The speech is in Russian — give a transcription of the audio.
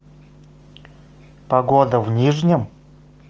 погода в нижнем